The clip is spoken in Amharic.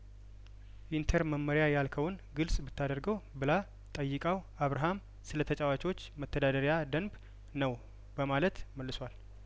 ኢንተር መመሪያያል ከውን ግልጽ ብታደርገው ብላ ጠይቃው አብርሀም ስለተጫዋቾች መተዳደሪያደንብ ነው በማለት መልሷል